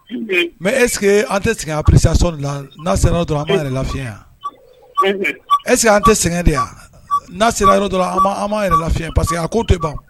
Mais est ce que a tɛ sɛngɛ appréciation na sera yɔrɔ dɔ la aw ta yɛrɛ lafi wa? Unhun est ce que an tɛ sɛgɛn de wa? Na sera yɔrɔ dɔ la an ban yɛrɛ lafi parceque a ko tɛ ban